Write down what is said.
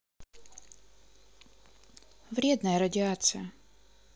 вредная радиация